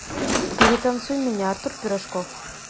перетанцуй меня артур пирожков